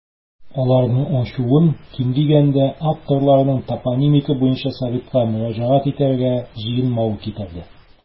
Аларның ачуын, ким дигәндә, авторларның топонимика буенча советка мөрәҗәгать итәргә җыенмавы китерде.